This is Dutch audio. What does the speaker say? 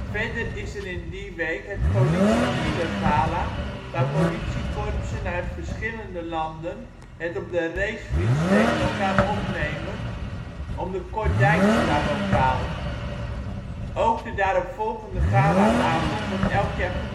Verder is er in die week het ' politie wielergala ', waar politiekorpsen uit verschillende landen het op de racefiets tegen elkaar opnemen om de ' Kor Dijkstra-bokaal '. Ook de daaropvolgende gala-avond wordt elk